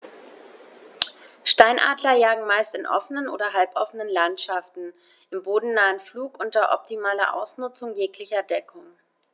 Steinadler jagen meist in offenen oder halboffenen Landschaften im bodennahen Flug unter optimaler Ausnutzung jeglicher Deckung.